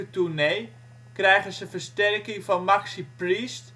24/7-tournee krijgen ze versterking van Maxi Priest